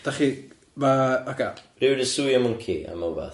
dach chi, ma' aga rywun yn swio mwnci am wbath?